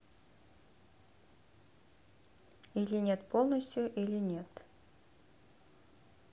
или нет полностью или нет